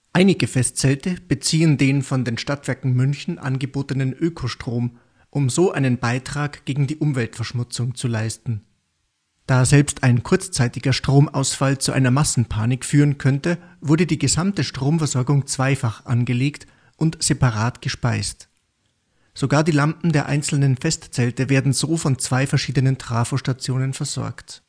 Einige Festzelte beziehen den von den Stadtwerken München angebotenen Öko-Strom, um so einen Beitrag gegen die Umweltverschmutzung zu leisten. Da selbst ein kurzzeitiger Stromausfall zu einer Massenpanik führen könnte, wurde die gesamte Stromversorgung zweifach angelegt und separat gespeist. Sogar die Lampen der einzelnen Festzelte werden so von zwei verschiedenen Trafostationen versorgt